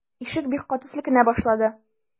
Ишек бик каты селкенә башлады.